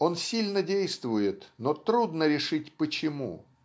Он сильно действует, но трудно решить - почему